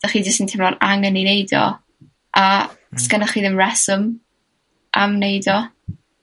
'dach chi jyst yn teimlo'r angen i neud o a... Hmm. ...sgennoch chi ddim reswm am wneud o.